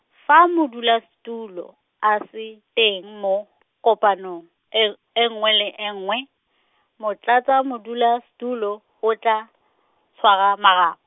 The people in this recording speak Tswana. fa modulasetulo, a se, teng mo, kopanong, e, e nngwe le nngwe, Motlatsamodulasetulo o tla, tshwara mara.